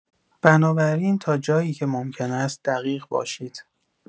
بنابراین تا جایی که ممکن است دقیق باشید.